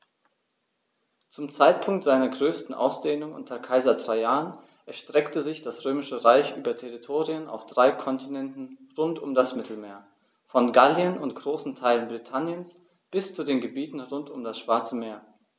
Zum Zeitpunkt seiner größten Ausdehnung unter Kaiser Trajan erstreckte sich das Römische Reich über Territorien auf drei Kontinenten rund um das Mittelmeer: Von Gallien und großen Teilen Britanniens bis zu den Gebieten rund um das Schwarze Meer.